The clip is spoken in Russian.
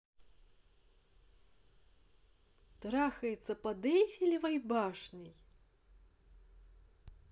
трахается под эйфелевой башней